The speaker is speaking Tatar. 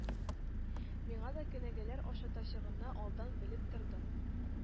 Миңа да кенәгәләр ашатачагыңны алдан белеп тордым.